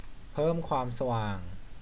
เพิ่มความสว่าง